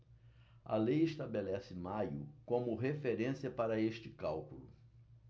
a lei estabelece maio como referência para este cálculo